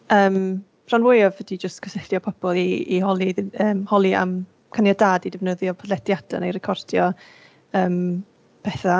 Ymm rhan fwyaf ydi jyst cysylltu â pobl i i holi i yym holi am caniatâd i defnyddio podlediadau neu recordio ymm petha